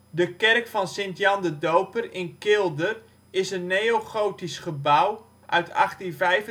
De kerk van Sint-Jan de Doper in Kilder is een neogotisch gebouw uit 1885-1886